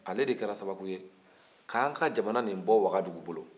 ale de kɛra sababu ye k'an ka jamana nin bɔ wagadu bolo